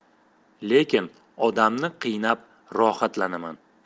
lekin odamni qiynab rohatlanaman